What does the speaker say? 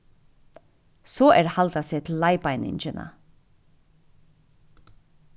so er at halda seg til leiðbeiningina